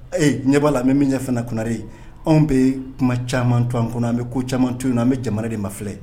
Ee ɲɛ'a la bɛ min ɲɛ fana kunnaɛre ye anw bɛ kuma caman tu an kɔnɔ an bɛ ko caman tu in na an bɛ ca de ma filɛ